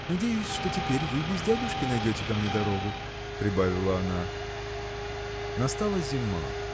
– Надеюсь, что теперь вы без дядюшки найдете ко мне дорогу? – прибавила она. Настала зима.